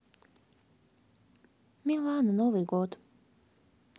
милана новый год